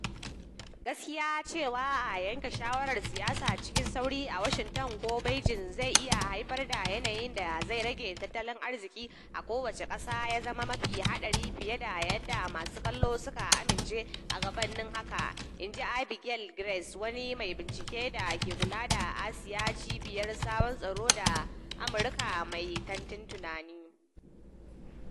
"Gaskiya cewa a yanke shawarar siyasa cikin sauri a Washington ko Beijing zai iya haifar da yanayin da zai rage tattalin arziki a kowace kasa ya zama mafi haɗari fiye da yadda masu kallo suka amince a gabanin haka," in ji Abigail Grace, wani mai bincike da ke kula da Asiya. Cibiyar Sabon Tsaro ta Amurka, mai tankin tunanin.